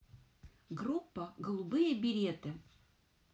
группа голубые береты